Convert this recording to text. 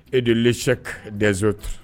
Et de l'échec des autres